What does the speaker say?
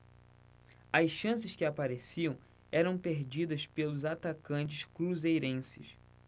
as chances que apareciam eram perdidas pelos atacantes cruzeirenses